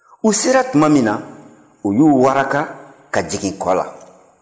u sera tuma min na u y'u waraka ka jigin kɔ la